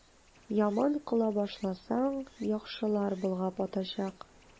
Яман кыла башласаң, яхшылар болгап атачак.